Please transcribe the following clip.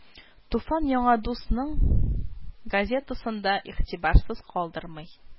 Туфан яңа дусның газетасын да игътибарсыз калдырмый